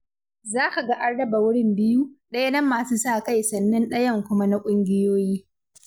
Za ka ga an raba wurin biyu: ɗaya na masu sa-kai sannan ɗanyan kuma na ƙungiyoyi.